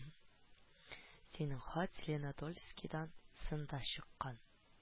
Синең хат Зеленодольскидан сында чыккан,